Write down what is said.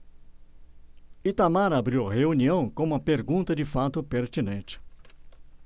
itamar abriu a reunião com uma pergunta de fato pertinente